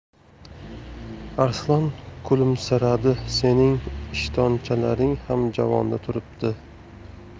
arslon kulimsiradi sening ishtonchalaring ham javonda turibdi